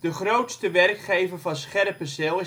grootste werkgever van Scherpenzeel